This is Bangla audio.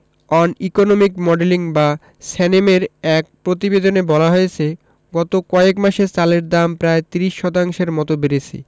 অন ইকোনমিক মডেলিং বা সানেমের এক প্রতিবেদনে বলা হয়েছে গত কয়েক মাসে চালের দাম প্রায় ৩০ শতাংশের মতো বেড়েছে